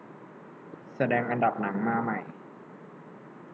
แสดงอันดับหนังมาใหม่